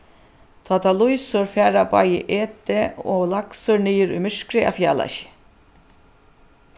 tá tað lýsir fara bæði æti og laksur niður í myrkrið at fjala seg